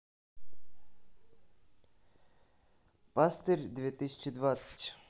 пастырь две тысячи двадцать